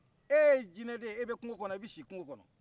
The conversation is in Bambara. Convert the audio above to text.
e ye jinɛ de ye e bɛ kungo kɔnɔ i bɛ si kungo kɔnɔ